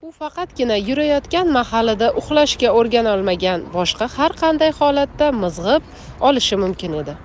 u faqatgina yurayotgan mahalida uxlashga o'rganolmagan boshqa har qanday holatda mizg'ib olishi mumkin edi